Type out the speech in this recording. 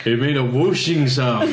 It made a whooshing sound.